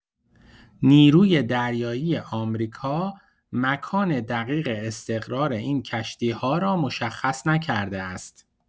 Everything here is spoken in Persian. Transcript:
نیروی دریایی آمریکا مکان دقیق استقرار این کشتی‌ها را مشخص نکرده است.